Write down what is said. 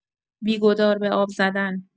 بی‌گدار به آب زدن